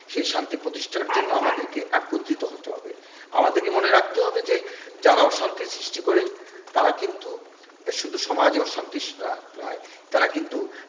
সে শান্তি প্রতিষ্ঠার জন্য আমাদেরকে একত্রিত হতে হবে আমাদেরকে মনে রাখতে হবে যে যারা অশান্তির সৃষ্টি করে শুধু সমাজে অশান্তি নয় তারা কিন্তু